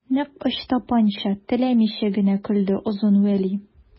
Нәкъ Ычтапанча теләмичә генә көлде Озын Вәли.